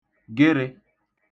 ǹgịnị̄